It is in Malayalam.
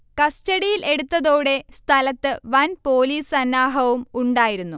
കസ്റ്റഡിയിൽ എടുത്തതോടെ സ്ഥലത്ത് വൻ പോലീസ് സന്നാഹവും ഉണ്ടായിരുന്നു